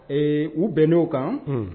Ee u bɛn n'o kan